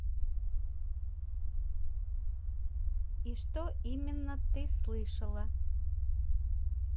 и что именно ты слышала